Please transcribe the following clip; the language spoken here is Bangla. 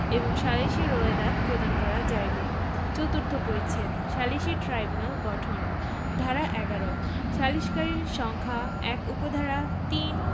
এবং সালিসী রোয়েদাদ প্রদান করা যাইবে চতুর্থ পরিচ্ছেদ সালিসী ট্রাইব্যুনাল গঠন ধারা ১১ সালিসকারীর সংখ্যাঃ ১ উপ ধারা ৩